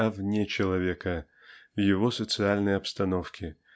а вне человека -- в его социальной обстановке